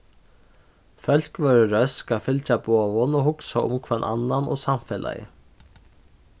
fólk vóru røsk at fylgja boðum og hugsa um hvønn annan og samfelagið